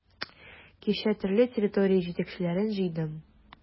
Кичә төрле территория җитәкчеләрен җыйдым.